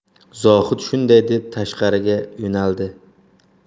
zohid shunday deb tashqariga yo'naldi